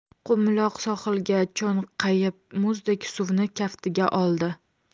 qumloq sohilga cho'nqayib muzdek suvni kaftiga oldi